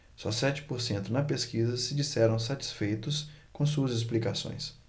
só sete por cento na pesquisa se disseram satisfeitos com suas explicações